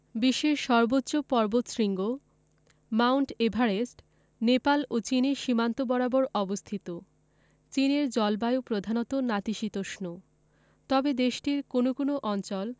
বিশ্বের সর্বোচ্চ পর্বতশৃঙ্গ মাউন্ট এভারেস্ট নেপাল ও চীনের সীমান্ত বরাবর অবস্থিত চীনের জলবায়ু প্রধানত নাতিশীতোষ্ণ তবে দেশটির কোনো কোনো অঞ্চল